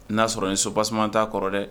I y'a sɔrɔ nin soba tasumaman'a kɔrɔ dɛ